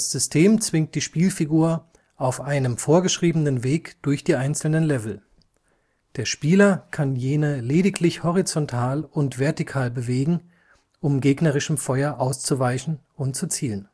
System zwingt die Spielfigur auf einem vorgeschriebenen Weg durch die einzelnen Level; der Spieler kann jene lediglich horizontal und vertikal bewegen, um gegnerischem Feuer auszuweichen und zu zielen